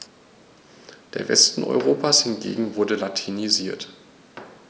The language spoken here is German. Der Westen Europas hingegen wurde latinisiert.